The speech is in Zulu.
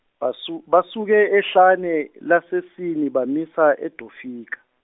basu- basuke ehlane laseSini bamisa eDofika.